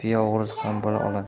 o'g'risi ham bo'la oladi